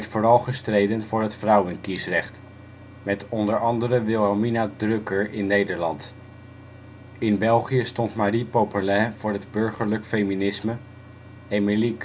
vooral gestreden voor het vrouwenkiesrecht, met onder andere Wilhelmina Drucker in Nederland. In België stond Marie Popelin voor het burgerlijk feminisme, Emilie